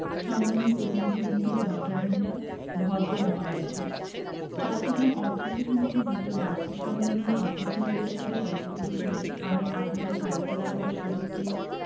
সম্মানীয় পতিনিধিবৃন্দ ভদ্রমহিলা ও ভদ্রমহোদয়গণ চট্টগ্রাম অর্থনীতি সমিতির দ্বিতীয় বার্ষিক সম্মেলনের অভ্যর্থনা পরিষদের সভাপতি হিসেবে আমি আপনাদের স্বাগত জানাবার সুযোগ পেয়ে